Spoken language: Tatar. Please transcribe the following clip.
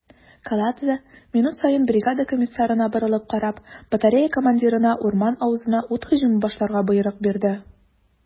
Каладзе, минут саен бригада комиссарына борылып карап, батарея командирына урман авызына ут һөҗүме башларга боерык бирде.